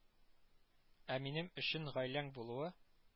Ә минем өчен гаиләң булуы